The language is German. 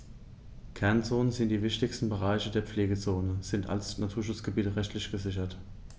Kernzonen und die wichtigsten Bereiche der Pflegezone sind als Naturschutzgebiete rechtlich gesichert.